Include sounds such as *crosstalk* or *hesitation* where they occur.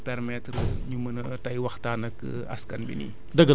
ñi ñu permettre *noise* ñu mën a tey waxtaan ak *hesitation* askan bi nii